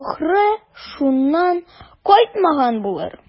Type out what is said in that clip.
Ахры, шуннан кайтмаган булыр.